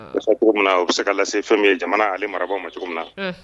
Min u bɛ se ka lase fɛn min ye jamana ale marabagaw ma cogo min na